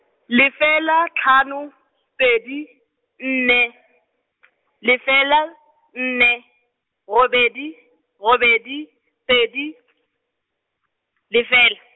lefela tlhano, pedi, nne , lefela, nne, robedi, robedi, pedi , lefela.